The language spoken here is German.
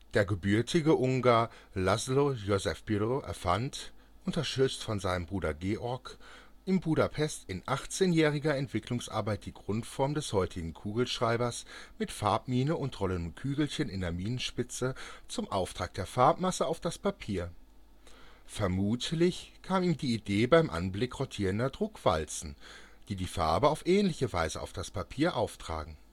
Der gebürtige Ungar László József Biró erfand, unterstützt von seinem Bruder Georg, in Budapest in achtzehnjähriger Entwicklungsarbeit die Grundform des heutigen Kugelschreibers mit Farbmine und rollendem Kügelchen in der Minenspitze zum Auftrag der Farbmasse auf das Papier. Vermutlich kam ihm die Idee beim Anblick rotierender Druckwalzen, die die Farbe auf ähnliche Weise auf das Papier auftragen